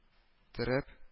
Терәп